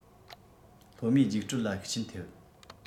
སློབ མའི རྒྱུགས སྤྲོད ལ ཤུགས རྐྱེན ཐེབས